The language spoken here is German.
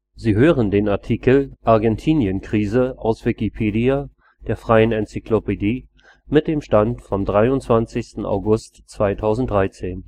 Sie hören den Artikel Argentinien-Krise, aus Wikipedia, der freien Enzyklopädie. Mit dem Stand vom Der